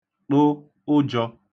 tụ ụjọ̄